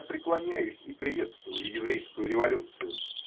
я преклоняюсь и приветствую еврейскую революцию.